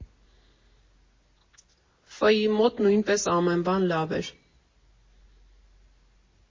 Ֆ֊ի մոտ նույնպես ամեն բան լավ էր.